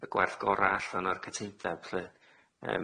y gwerth gora allan o'r cateindeb lly.